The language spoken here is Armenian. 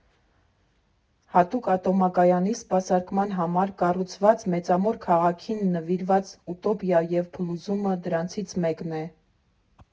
Հատուկ ատոմակայանի սպասարկման համար կառուցված Մեծամոր քաղաքին նվիրված «Ուտոպիա և փլուզումը» դրանցից մեկն է։